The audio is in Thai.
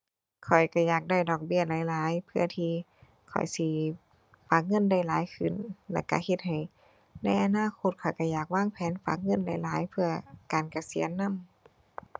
ข้อยก็อยากได้ดอกเบี้ยหลายหลาย เพื่อที่ค่อยสิฝากเงินได้หลายขึ้น แล้วก็เฮ็ดให้ในอนาคตข้อยก็อยากวางแผนฝากเงินได้หลายเพื่อการเกษียณนำ